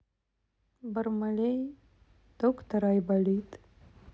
бармалей доктор айболит